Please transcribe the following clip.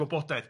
...gwybodaeth.